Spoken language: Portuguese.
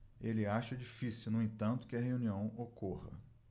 ele acha difícil no entanto que a reunião ocorra